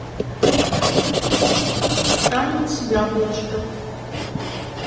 танец яблочко